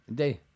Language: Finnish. miten